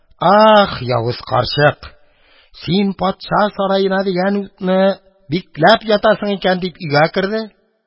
Ах, явыз карчык, син патша сараена дигән утны бикләп ятасың икән! – дип, өйгә керде.